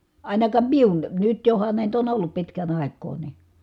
ainakaan minun nyt johan näitä on ollut pitkän aikaa niin